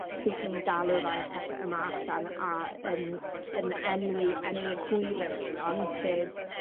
sut ni'n galw rai o'r pethe yma allan, a yn yn enwi enwi'r gwir elynion, sef